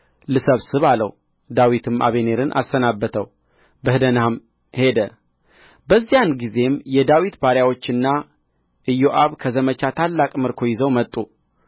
ልሰብስብ አለው ዳዊትም አበኔርን አሰናበተው በደኅናም ሄደ በዚያን ጊዜም የዳዊት ባሪያዎችና ኢዮአብ ከዘመቻ ታላቅ ምርኮ ይዘው መጡ